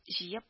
Җыеп